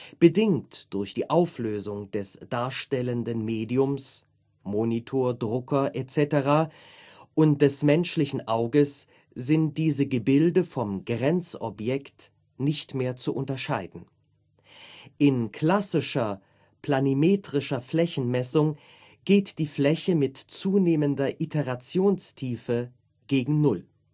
Bedingt durch die Auflösung des darstellenden Mediums (Monitor, Drucker etc.) und des menschlichen Auges sind diese Gebilde vom Grenzobjekt nicht mehr zu unterscheiden. In klassischer planimetrischer Flächenmessung geht die Fläche mit zunehmender Iterationstiefe gegen Null